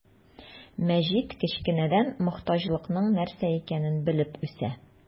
Мәҗит кечкенәдән мохтаҗлыкның нәрсә икәнен белеп үсә.